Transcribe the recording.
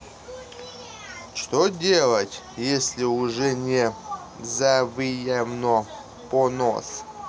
что делать если уже не завьялова понос